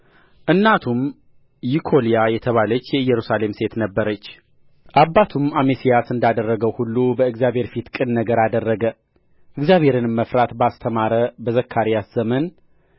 እናቱም ይኮልያ የተባለች የኢየሩሳሌም ሴት ነበረች አባቱም አሜስያስ እንዳደረገው ሁሉ በእግዚአብሔር ፊት ቅን ነገር አደረገ እግዚአብሔርንም መፍራት ባስተማረ በዘካርያስ ዘመን